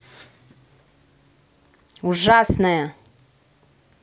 ужасная